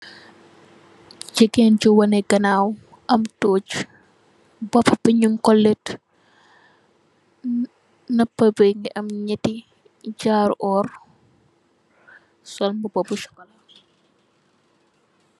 Jigenn juu waneh ganaww amm tojj, bopaa bii nyungko letaa, nopabeh ngii amm, nyatii jaroo orr mungii sol mbuba bu sonn.